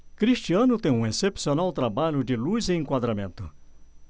cristiano tem um excepcional trabalho de luz e enquadramento